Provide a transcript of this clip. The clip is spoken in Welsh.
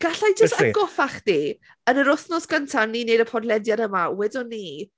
Galla i jyst atgoffa... Literally. ...chdi? Yn yr wythnos gynta o'n ni'n wneud y podlediad yma, wedon ni...